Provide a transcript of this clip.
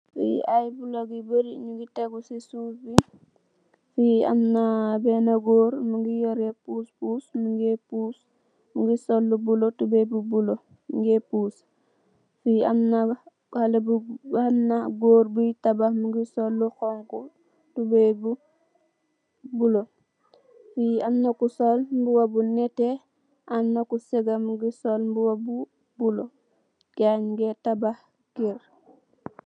Lii ay bulok yu bërri ñu ngi teggu si suuf. Fii am na bénñe góor mu ngi yoree puus puus. Mu sol lu bulo, tubooy bu bulo, mu ngee puus. Am na goor buy tabax...lu xoñxu, tubooy bu bulo. Fii am ku sol mbuba bu nétté, am na ku sëggë,.u ngi sol mbubu bu bu bulo. Gaayi ñu ngee tabax kër.